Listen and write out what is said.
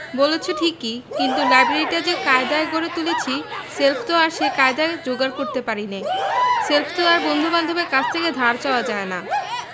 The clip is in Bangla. বলেছ ঠিকই কিন্তু লাইব্রেরিটা যে কায়দায় গড়ে তুলেছি শেলফ তো আর সে কায়দায় যোগাড় করতে পারি নে শেলফ তো আর বন্ধুবান্ধবের কাছ থেকে ধার চাওয়া যায় না